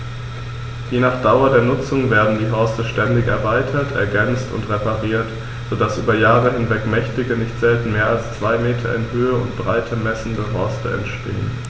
Je nach Dauer der Nutzung werden die Horste ständig erweitert, ergänzt und repariert, so dass über Jahre hinweg mächtige, nicht selten mehr als zwei Meter in Höhe und Breite messende Horste entstehen.